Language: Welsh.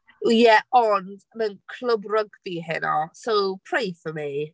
Ie, ond mewn clwb rygbi heno, so pray for me.